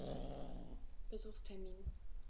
Besuchstermin